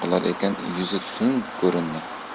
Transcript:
qilar ekan yuzi tund ko'rindi